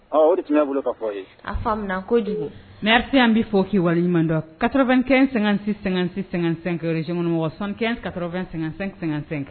O tun y'a bolo k'a fɔ aw ye.A faamu na kojugu, merci an b'i fɔ k'i wali ɲuman don, 95 56 56 55 région kɔnɔ mɔgɔw, 75 80 55 55